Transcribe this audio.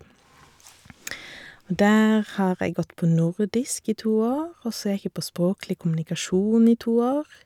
Og der har jeg gått på nordisk i to år, og så gikk jeg på språklig kommunikasjon i to år.